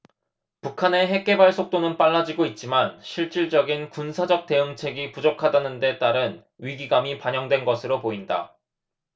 북한의 핵개발 속도는 빨라지고 있지만 실질적인 군사적 대응책이 부족하다는 데 따른 위기감이 반영된 것으로 보인다